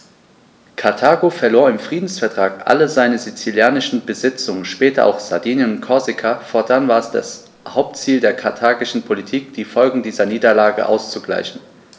Karthago verlor im Friedensvertrag alle seine sizilischen Besitzungen (später auch Sardinien und Korsika); fortan war es das Hauptziel der karthagischen Politik, die Folgen dieser Niederlage auszugleichen.